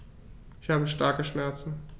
Ich habe starke Schmerzen.